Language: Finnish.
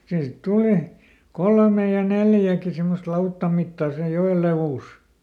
siihen sitten tuli kolme ja neljäkin semmoista lautan mittaa sen joen leveys